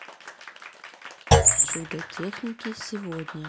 чудо техники сегодня